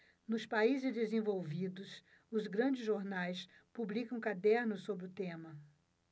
nos países desenvolvidos os grandes jornais publicam cadernos sobre o tema